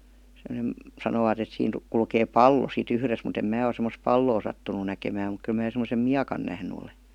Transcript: semmoinen sanovat että siinä kulkee pallo sitten yhdessä mutta en minä ole semmoista palloa sattunut näkemään mutta kyllä minä semmoisen miekan nähnyt olen